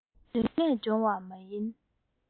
རིག གནས སྦྱོང བ མ ཡིན